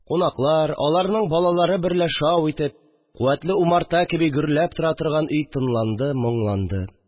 Кунаклар, аларның балалары берлә шау итеп, куәтле умарта кеби гөрләп тора торган өй тынланды, моңланды